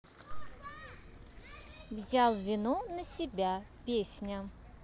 взял вину на себя песня